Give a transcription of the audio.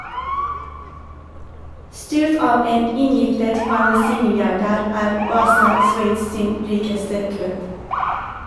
Styrt av en inngiftet farmasimilliardær er Basel Sveits sin rikeste klubb.